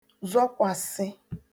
zọkwàsị